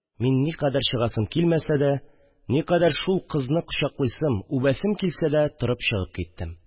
Мин, никадәр чыгасым килмәсә дә, никадәр шул кызны кочаклыйсым, үбәсем килсә дә, торп чыгып киттем